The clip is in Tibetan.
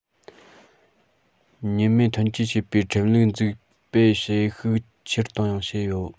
ཉེན མེད ཐོན སྐྱེད བྱེད པའི ཁྲིམས ལུགས འཛུགས སྤེལ བྱེད ཤུགས ཆེར གཏོང བྱས ཡོད